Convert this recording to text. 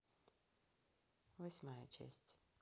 восьмая часть